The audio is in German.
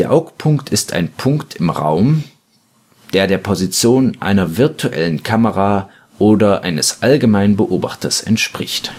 Augpunkt ist ein Punkt im Raum, der der Position einer virtuellen Kamera oder eines allgemeinen Beobachters entspricht